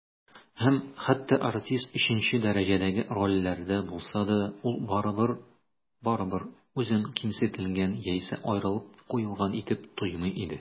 Һәм хәтта артист өченче дәрәҗәдәге рольләрдә булса да, ул барыбыр үзен кимсетелгән яисә аерылып куелган итеп тоймый иде.